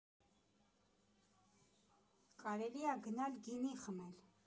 Կարելի ա գնալ գինի խմել։